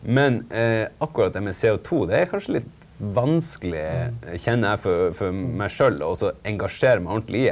men akkurat det med CO2 det er kanskje litt vanskelig kjenner jeg for for meg sjøl også engasjere meg ordentlig i.